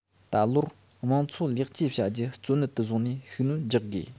ད ལོར དམངས འཚོ ལེགས བཅོས བྱ རྒྱུ གཙོ གནད དུ བཟུང ནས ཤུགས སྣོན རྒྱག དགོས